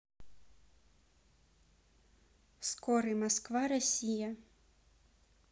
скорый москва россия